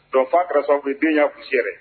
Dɔnfa kɛra sababu ye den y'a incoprehensible